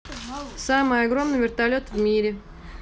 самый огромный вертолет в мире